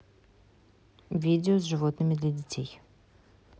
видео с животными для детей